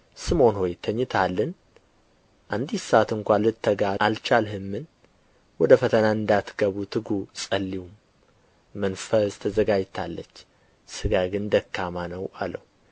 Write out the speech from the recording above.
ስምዖን ሆይ ተኝተሃልን አንዲት ሰዓት ስንኳ ልትተጋ አልቻልህምን ወደ ፈተና እንዳትገቡ ትጉ ጸልዩም መንፈስስ ተዘጋጅታለች ሥጋ ግን ደካማ ነው አለው